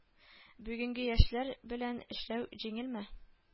Бүгенге яшьләр белән эшләү җиңелме